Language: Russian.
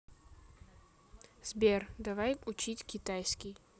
сбер давай учить китайский